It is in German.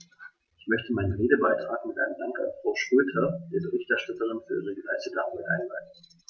Ich möchte meinen Redebeitrag mit einem Dank an Frau Schroedter, der Berichterstatterin, für die geleistete Arbeit einleiten.